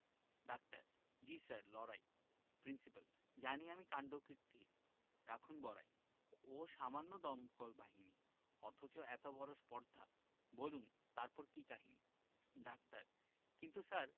doctor জ্বী sir লড়াই principal জানি আমি কাণ্ডকীর্তি রাখুন বড়াই ও সামান্য দমকল বাহিনী অথচ এত বড় স্পর্ধা বুলন তারপর কি কাহিনী ডাক্তার কিন্তু স্যার